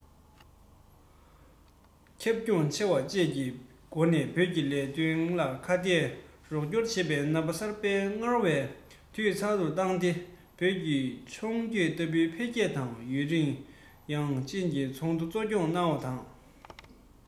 ཁྱབ ཁོངས ཆེ བ བཅས ཀྱི སྒོ ནས བོད ཀྱི ལས དོན ལ ཁ གཏད རོགས སྐྱོར བྱེད པའི རྣམ པ གསར པ སྔར བས འཐུས ཚང དུ བཏང སྟེ བོད ཀྱི མཆོང སྐྱོད ལྟ བུའི འཕེལ རྒྱས དང ཡུན རིང དབྱང ཅིན གྱིས ཚོགས འདུ གཙོ སྐྱོང གནང བ དང